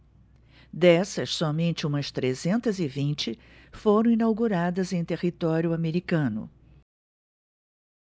dessas somente umas trezentas e vinte foram inauguradas em território americano